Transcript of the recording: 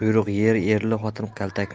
yer erli xotin kaltak